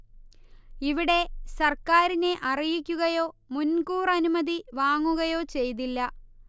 ഇവിടെ സർക്കാരിനെ അറിയിക്കുകയോ മുൻകൂർ അനുമതി വാങ്ങുകയോ ചെയ്തില്ല